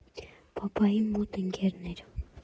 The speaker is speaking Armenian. Պապայի մոտ ընկերն էր։